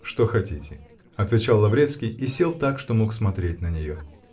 -- Что хотите, -- отвечал Лаврецкий и сел так, что мог смотреть на нее.